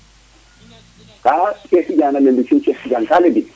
kaga Cheikh tidiane a leyu